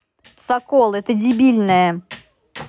sokol это дебильное